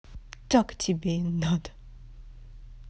так тебе и надо